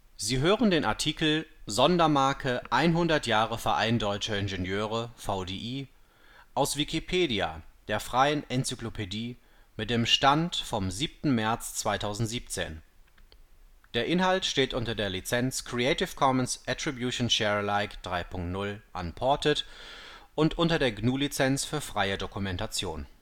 Sie hören den Artikel Sondermarke 100 Jahre Verein Deutscher Ingenieure (VDI), aus Wikipedia, der freien Enzyklopädie. Mit dem Stand vom Der Inhalt steht unter der Lizenz Creative Commons Attribution Share Alike 3 Punkt 0 Unported und unter der GNU Lizenz für freie Dokumentation